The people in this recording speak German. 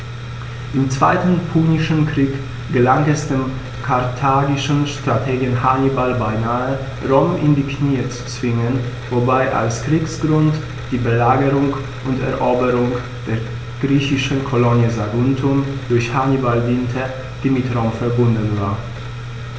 Im Zweiten Punischen Krieg gelang es dem karthagischen Strategen Hannibal beinahe, Rom in die Knie zu zwingen, wobei als Kriegsgrund die Belagerung und Eroberung der griechischen Kolonie Saguntum durch Hannibal diente, die mit Rom „verbündet“ war.